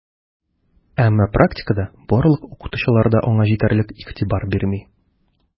Әмма практикада барлык укытучылар да аңа җитәрлек игътибар бирми: